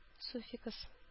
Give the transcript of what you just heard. Суффикс